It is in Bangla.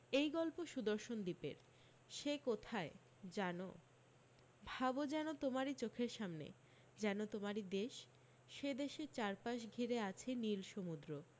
এই গল্প সুদর্শনদ্বীপের সে কোথায় জানো ভাবো যেন তোমার ই চোখের সামনে যেন তোমার ই দেশ সে দেশের চারপাশ ঘিরে আছে নিল সমুদ্র